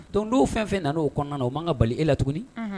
Donon don fɛn fɛn na n' o kɔnɔna na u man kan ka bali e lat tuguni